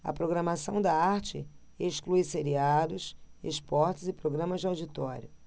a programação da arte exclui seriados esportes e programas de auditório